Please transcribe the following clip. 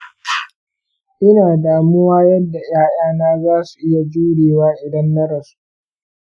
ina damuwa yadda ’ya’yana za su iya jurewa idan na rasu.